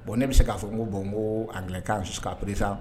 Bon ne bɛ se k'a fɔ nko. bɔn nko angilɛkan jusqu'à présent